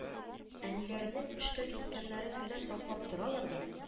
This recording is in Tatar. Әниләренең эшкә киткәннәрен генә саклап торалар да